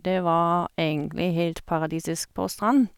Det var egentlig helt paradisisk på strand.